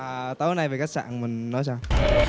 à tối nay về khách sạn mình nói sao